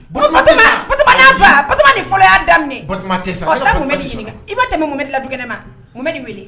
Fa ni fɔlɔ y' daminɛ ɲini i'a tɛmɛ mun bɛ la dugu ma mun bɛ weele